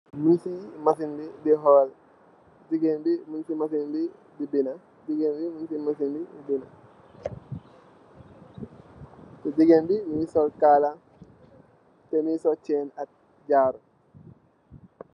Mung cii machine bi di horl, gigain bii mung cii machine bi dii binda, gigain bii mung cii machine bi dii binda, teh gigain bii mungy sol kaarlah teh mungy sol chaine ak jaarou.